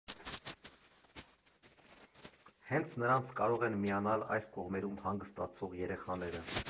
Հենց նրանց կարող են միանալ այս կողմերում հանգստացող երեխաները։